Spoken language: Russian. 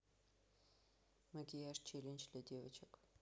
макияж челлендж для девочек